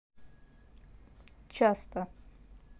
часто